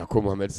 A ko bon merci